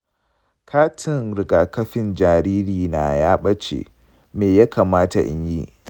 katin rigakafin jariri na ya ɓace; me ya kamata in yi?